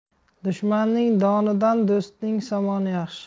dushmanning donidan do'stning somoni yaxshi